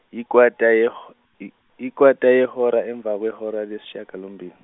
yikwata yeho- yikwata yehora emva kwehora lesishagalombili.